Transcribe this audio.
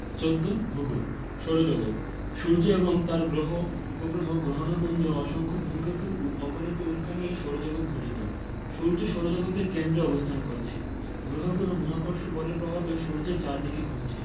১৪ ভূগোল সৌরজগৎ সূর্য এবং তার গ্রহ উপগ্রহ গ্রহাণুপুঞ্জ অসংখ্য ধুমকেতু ও অগণিত উল্কা নিয়ে সৌরজগৎ গঠিত সূর্য সৌরজগতের কেন্দ্রে অবস্থান করছে গ্রহগুলো মহাকর্ষ বলের প্রভাবে সূর্যের চারদিকে ঘুরছে